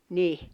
niin